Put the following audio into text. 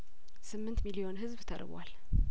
ስምንት ሚሊዮን ህዝብ ተርቧል